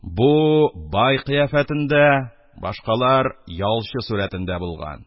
Бу бай кыяфәтендә, башкалар ялчы сурәтендә булган.